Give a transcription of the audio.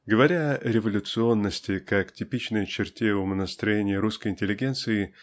Говоря о революционности как типичной черте умонастроения русской интеллигенции